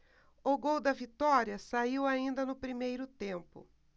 o gol da vitória saiu ainda no primeiro tempo